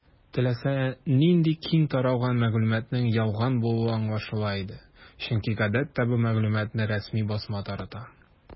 Теләсә нинди киң таралган мәгълүматның ялган булуы аңлашыла иде, чөнки гадәттә бу мәгълүматны рәсми басма тарата.